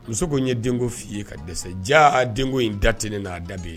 Muso ko ye denko f'i ye ka dɛsɛ ja den in dat n'a da ye